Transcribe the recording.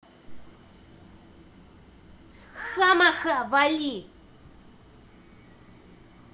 hamaha вали